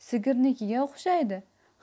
sigirnikiga o'xshaydi